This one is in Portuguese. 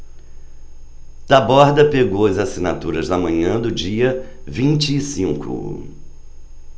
taborda pegou as assinaturas na manhã do dia vinte e cinco